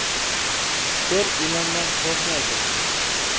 ko'r ilondan qo'rqmaydi